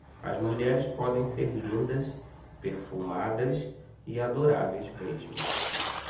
as mulheres podem ser lindas perfumadas e adoráveis mesmo